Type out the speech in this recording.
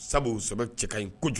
Sabu o saba cɛ ka ɲi kojugu